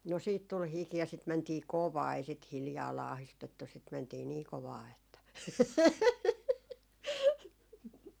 no sitten tuli hiki ja sitten mentiin kovaa ei sitä hiljaa laahistettu sitten mentiin niin kovaa että